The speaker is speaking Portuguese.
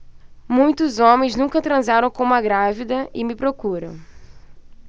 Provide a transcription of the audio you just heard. muitos homens nunca transaram com uma grávida e me procuram